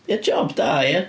Ia, job da, ia.